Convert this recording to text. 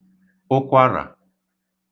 ụkwarà